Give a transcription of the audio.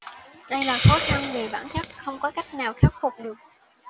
đây là khó khăn về bản chất không có cách nào khắc phục được